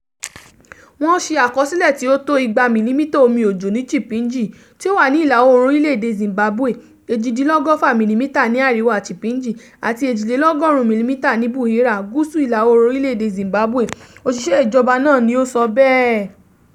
"Wọ́n ṣe àkọsílẹ̀ tí ó tó 200 mìlímita omi òjò ní Chipinge [tí ó wà ní ìlà-oòrùn orílẹ̀ èdè Zimbabwe], 118 mìlímita ní àríwá Chipinge, àti 102 mìlímita ní Buhera [gúúsù ìlà oòrùn Orílẹ̀ èdè Zimbabwe]," òṣìṣẹ́ ìjọba náà ni ó sọ bẹ́ẹ̀.